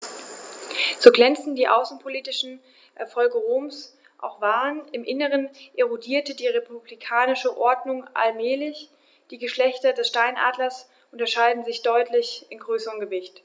So glänzend die außenpolitischen Erfolge Roms auch waren: Im Inneren erodierte die republikanische Ordnung allmählich. Die Geschlechter des Steinadlers unterscheiden sich deutlich in Größe und Gewicht.